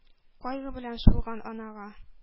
Кайгы белән сулган анага.